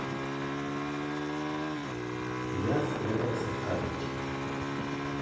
я спрятался в карточке